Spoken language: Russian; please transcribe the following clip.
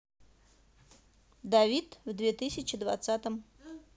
давид в две тысячи двадцатом